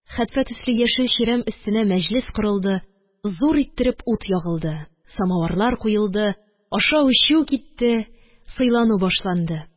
Хәтфә төсле яшел чирәм өстенә мәҗлес корылды, зур иттереп ут ягылды. Самавырлар куелды. Ашау-эчү китте. Сыйлану башланды.